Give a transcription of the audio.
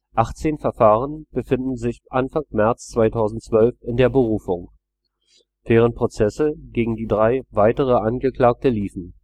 18 Verfahren befanden sich Anfang März 2012 in der Berufung, während Prozesse gegen drei weitere Angeklagte liefen